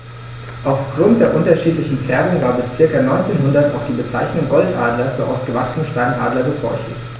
Auf Grund der unterschiedlichen Färbung war bis ca. 1900 auch die Bezeichnung Goldadler für ausgewachsene Steinadler gebräuchlich.